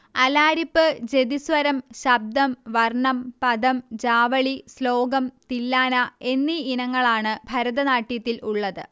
അലാരിപ്പ് ജതിസ്വരം ശബ്ദം വർണം പദം ജാവളി ശ്ലോകം തില്ലാന എന്നീ ഇനങ്ങളാണ് ഭരതനാട്യത്തിൽ ഉള്ളത്